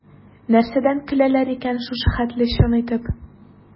Нәрсәдән көләләр икән шушы хәтле чын итеп?